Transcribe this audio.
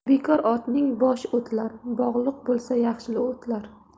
bekor otning boshi o'tlar bog'liq bo'lsa yaxshi o'tlar